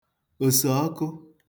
òsèọkụ